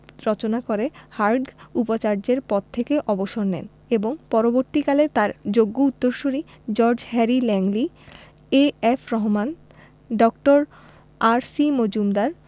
রচনা করে হার্টগ উপাচার্যের পদ থেকে অবসর নেন এবং পরবর্তীকালে তাঁর যোগ্য উত্তরসূরি George Harry Langley A F Rahman ড. আর.সি মজুমদার